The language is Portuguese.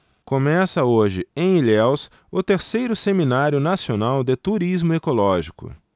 começa hoje em ilhéus o terceiro seminário nacional de turismo ecológico